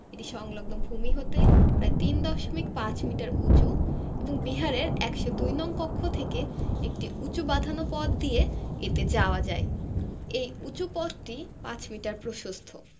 এটি সংলগ্ন ভূমি হতে প্রায় ৩ দশমিক ৫ মিটার উঁচু এবং বিহারের ১০২ নং কক্ষ থেকে একটি উঁচু বাঁধানো পথ দিয়ে এতে যাওয়া যায় এই উঁচু পথটি ৫মিটার প্রশস্ত